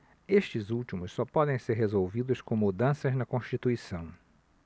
estes últimos só podem ser resolvidos com mudanças na constituição